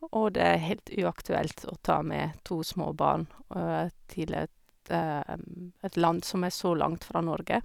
Og det er helt uaktuelt å ta med to små barn til et et land som er så langt fra Norge.